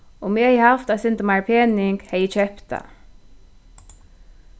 um eg hevði havt eitt sindur meiri pening hevði eg keypt tað